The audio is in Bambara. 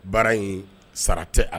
Baara in sara tɛ